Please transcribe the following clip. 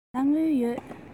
ང ལ དངུལ ཡོད